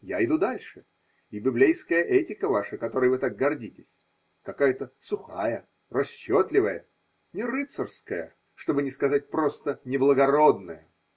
Я иду дальше: и библейская этика ваша, которой вы так гордитесь, какая-то сухая, расчетливая, – не рыцарская, чтобы не сказать – просто неблагородная.